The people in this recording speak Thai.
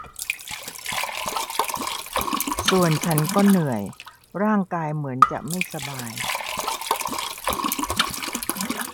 ส่วนฉันก็เหนื่อยร่างกายเหมือนจะไม่สบาย